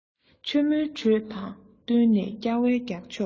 ཆུ མོའི འགྲོས དང བསྟུན ནས སྐྱ བའི རྒྱག ཕྱོགས